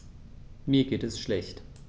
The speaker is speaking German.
Mir geht es schlecht.